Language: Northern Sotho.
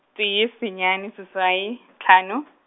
tee senyane seswai, hlano.